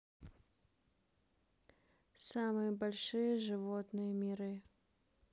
самые большие животные миры